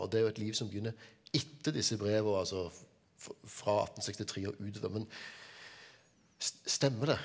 og det er jo et liv som begynner etter disse breva altså fra 1863 og utover, men stemmer det?